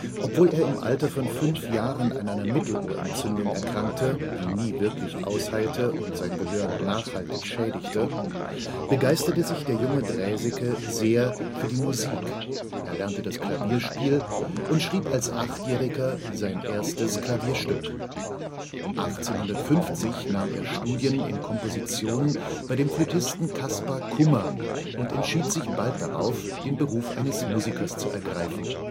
Obwohl er im Alter von fünf Jahren an einer Mittelohrentzündung erkrankte, die nie wirklich ausheilte und sein Gehör nachhaltig schädigte, begeisterte sich der junge Draeseke sehr für die Musik, erlernte das Klavierspiel und schrieb als Achtjähriger sein erstes Klavierstück. 1850 nahm er Studien in Komposition bei dem Flötisten Caspar Kummer und entschied sich bald darauf, den Beruf eines Musikers zu ergreifen